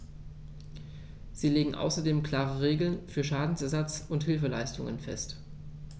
Sie legt außerdem klare Regeln für Schadenersatz und Hilfeleistung fest.